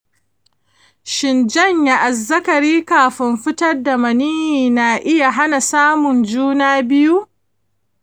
shin janye azzakari kafin fitar da maniyyi i na iya hana samun juna biyu?